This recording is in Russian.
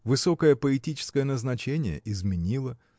Высокое поэтическое назначение изменило